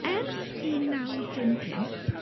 Ers un naw dim pump.